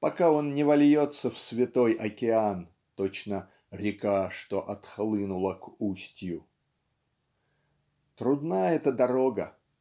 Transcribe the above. пока он не вольется в святой океан точно "река что отхлынула к устью". Трудна эта дорога